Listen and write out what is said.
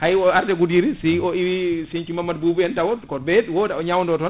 hay o arde Goudiri si o yi Sinthiou Mamadou Boubou en tawat ko be woda ɗo o ñawdoton